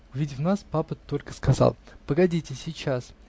Увидев нас, папа только сказал: -- Погодите, сейчас.